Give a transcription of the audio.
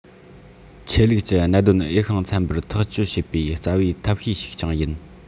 ཆོས ལུགས ཀྱི གནད དོན འོས ཤིང འཚམ པར ཐག ཅོད བྱེད པའི རྩ བའི ཐབས ཤེས ཤིག ཀྱང ཡིན